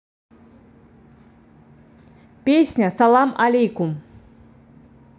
песня салам алейкум